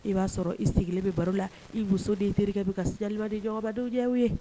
I b'a sɔrɔ i sigilen bɛ baro la i muso den terikɛ kɛ' ka sili di jba diya ye